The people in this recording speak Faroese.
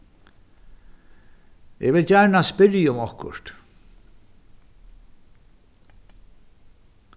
eg vil gjarna spyrja um okkurt